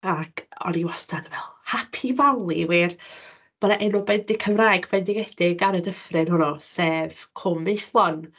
Ac o'n i wastad yn meddwl, "Happy Valley wir, ma' 'na enw bendi- Cymraeg bendigedig ar y dyffryn hwnnw, sef Cwm Maethlon".